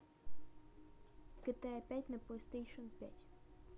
гта пять на плейстейшен пять